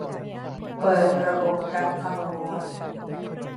เปิดระบบกันขโมย